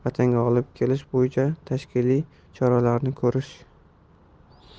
vatanga olib kelish bo'yicha tashkiliy choralarni ko'rish